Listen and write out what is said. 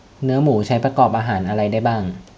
เนื้อหมูใช้ประกอบอาหารอะไรได้บ้าง